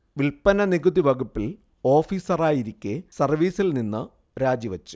വിൽപ്പന നികുതി വകുപ്പിൽ ഓഫീസറായിരിക്കെ സർവീസിൽ നിന്ന് രാജിവച്ചു